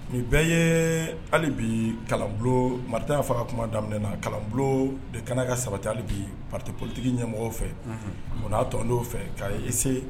Nin bɛɛ ye bi mariya faga kuma daminɛ na kalan de kana ka sabati ale bite politigi ɲɛ mɔgɔw fɛ nk'a tɔ dɔw fɛ k' ye ese